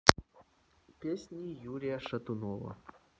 песни юрия шатунова